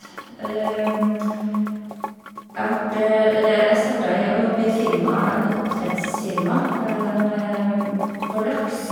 jeg vart eller ev Jeg starta i å jobbe i et firma, en oppdrettsfirma dem for laks.